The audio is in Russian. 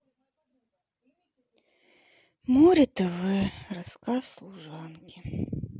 море тв рассказ служанки